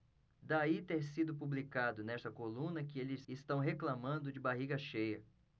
daí ter sido publicado nesta coluna que eles reclamando de barriga cheia